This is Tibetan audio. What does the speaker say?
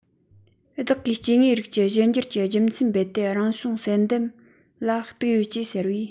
བདག གིས སྐྱེ དངོས རིགས ཀྱི གཞན འགྱུར གྱི རྒྱུ མཚན རྦད དེ རང བྱུང བསལ འདེམས ལ གཏུགས ཡོད ཅེས ཟེར བས